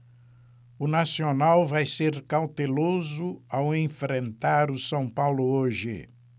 o nacional vai ser cauteloso ao enfrentar o são paulo hoje